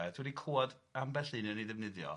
Dwi di clwed ambell un yn ei ddefnyddio.